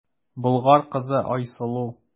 Болгар кызы Айсылу.